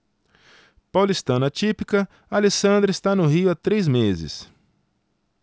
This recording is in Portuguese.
paulistana típica alessandra está no rio há três meses